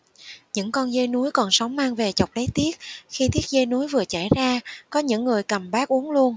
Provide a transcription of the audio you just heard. những con dê núi còn sống mang về chọc lấy tiết khi tiết dê núi vừa chảy ra có những người cầm bát uống luôn